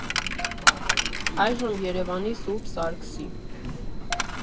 Այժմ Երևանի Սբ. Սարգսի։